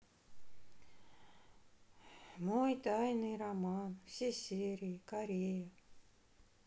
мой тайный роман все серии корея